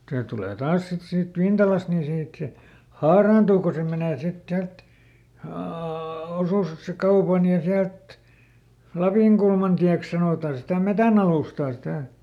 se tulee taas sitten siitä Vintalasta niin siitä se haaraantuu kun se menee sitten sieltä - osuuskaupan ja sieltä Lapinkulmantieksi sanotaan sitä metsänalustaa sitä